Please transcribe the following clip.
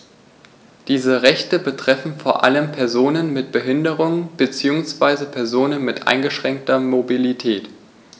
Diese Rechte betreffen vor allem Personen mit Behinderung beziehungsweise Personen mit eingeschränkter Mobilität.